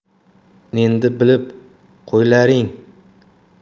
endi bilib qo'ylaring